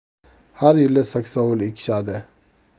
har yili saksovul ekishadi